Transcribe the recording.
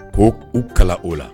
Ko u kala o la